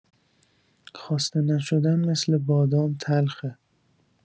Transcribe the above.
خواسته نشدن مثل بادام تلخه.